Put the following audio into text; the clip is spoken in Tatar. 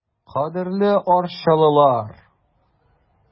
Кадерле арчалылар!